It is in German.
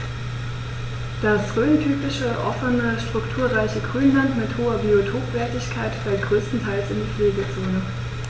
Das rhöntypische offene, strukturreiche Grünland mit hoher Biotopwertigkeit fällt größtenteils in die Pflegezone.